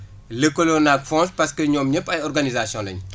lëkkaloo na ak FONG parce que ñoom ñëpp ay organisation lañ